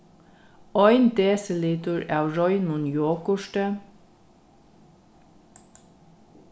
ein desilitur av reinum jogurti